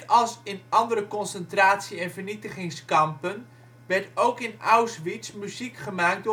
als in andere concentratie - en vernietigingskampen werd ook in Auschwitz muziek gemaakt door